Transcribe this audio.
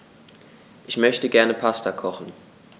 Ich möchte gerne Pasta kochen.